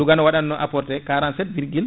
Louga ne waɗanno apporté 47,